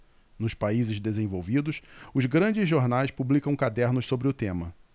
nos países desenvolvidos os grandes jornais publicam cadernos sobre o tema